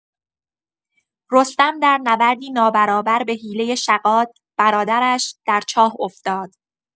رستم درنبردی نابرابر به حیلۀ شغاد، برادرش، در چاه افتاد.